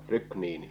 rykniini